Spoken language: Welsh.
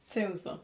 Tunes ddo.